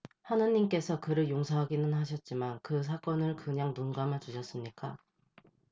하느님께서 그를 용서하기는 하셨지만 그 사건을 그냥 눈감아 주셨습니까